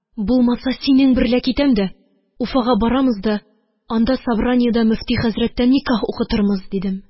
Булмаса, синең берлә китәм дә, уфага барырмыз да, анда собраниедә мөфти хәзрәттән никях укытырмыз, – дидем